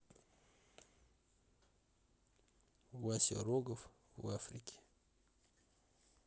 вася рогов в африке